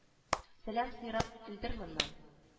Сәлаә сыйрак элдер моннан